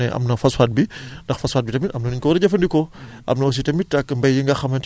d' accord léegi gouvernement bi daf koy maye moom phosphate te it nag léegi ki nga xam ne am na phosphate bi